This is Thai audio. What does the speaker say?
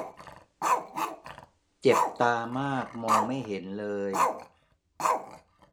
เจ็บตามากมองไม่เห็นเลย